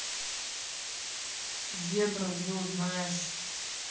зебра зу знаешь